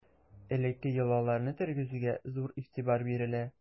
Элекке йолаларны тергезүгә зур игътибар бирелә.